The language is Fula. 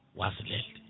wasa lelde